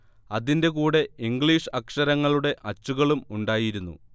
അതിന്റെ കൂടെ ഇംഗ്ലീഷ് അക്ഷരങ്ങളുടെ അച്ചുകളും ഉണ്ടായിരുന്നു